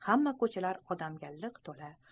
hamma ko'chalar odamga liq to'la